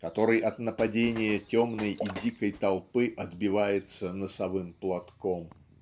который от нападения темной и дикой толпы отбивается носовым платком.